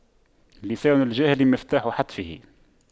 لسان الجاهل مفتاح حتفه